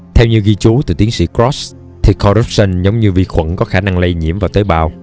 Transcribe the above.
theo như ghi chú từ tiến sĩ cross thì corruption giống như vi khuẩn có khả năng lây nhiễm vào tế bào